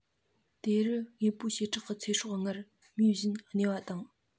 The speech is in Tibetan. དེ རུ དངོས པོའི བྱེ བྲག གི ཚེ སྲོག སྔར མུས བཞིན གནས པ དང